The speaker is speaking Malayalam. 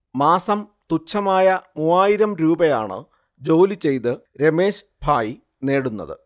മാസം തുച്ഛമായ മൂവായിരം രൂപയാണ് ജോലി ചെയ്ത് രമേശ് ഭായ് നേടുന്നത്